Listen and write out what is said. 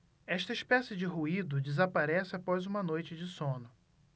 esta espécie de ruído desaparece após uma noite de sono